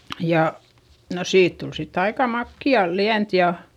ja no siitä tuli sitten aika makeaa lientä ja